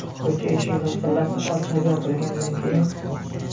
ko'cha eshik g'iyqillab ochilib yopilganidan keyin